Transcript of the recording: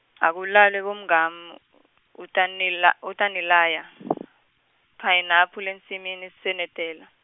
Akulalwe bomngamu, utanila- utanilaya, phayinaphu lensimini senetela.